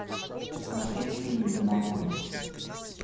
смотреть фильм домовой